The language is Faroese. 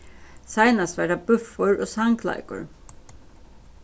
seinast var tað búffur og sangleikur